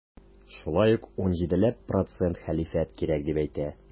Шулай ук 17 ләп процент хәлифәт кирәк дип әйтә.